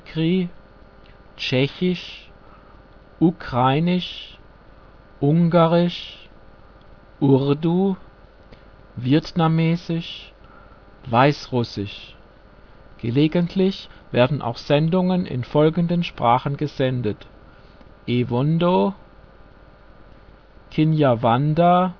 Tigri, Tschechisch, Ukrainisch, Ungarisch, Urdu, Vietnamesisch, Weißrussisch. Gelegentlich werden auch Sendungen in folgenden Sprache gesendet: Ewondo, Kinyarwanda